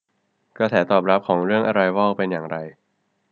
กระแสตอบรับเรื่องอะไรวอลเป็นอย่างไร